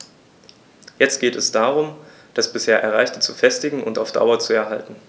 Jetzt geht es darum, das bisher Erreichte zu festigen und auf Dauer zu erhalten.